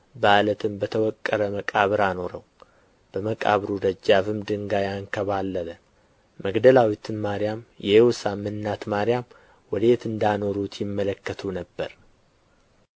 ከዓለትም በተወቀረ መቃብር አኖረው በመቃብሩ ደጃፍም ድንጋይ አንከባለለ መግደላዊትም ማርያም የዮሳም እናት ማርያም ወዴት እንዳኖሩት ይመለከቱ ነበር